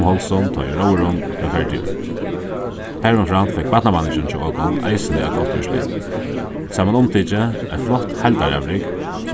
um hálsin tá ið róðurin var ferdigur harumframt fekk barnamanningin hjá okum eisini eitt gott úrslit samanumtikið eitt flott heildaravrik